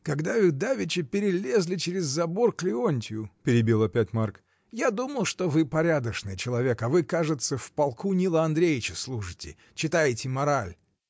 — Когда вы давеча перелезли через забор к Леонтью, — перебил опять Марк, — я думал, что вы порядочный человек, а вы, кажется, в полку Нила Андреича служите, читаете мораль.